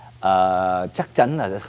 ờ chắc chắn là